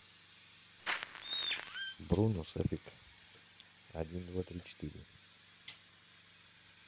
бруно сафик один два три четыре